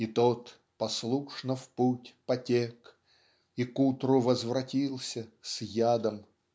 И тот послушно в путь потек И к утру возвратился с адом.